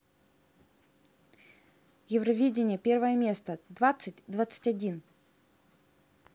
евровидение первое место двадцать двадцать один